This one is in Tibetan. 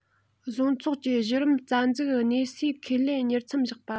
བཟོ ཚོགས ཀྱི གཞི རིམ རྩ འཛུགས གནས སའི ཁེ ལས གཉེར མཚམས བཞག པ